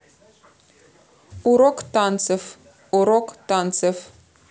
урок танцев урок танцев